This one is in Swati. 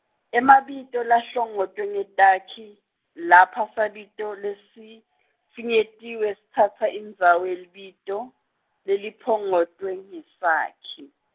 emabito lahlongotwe ngetakhi, lapha sabito lesifinyetiwe sitsatsa indzawo yelibito, leliphongotwe ngesakhi.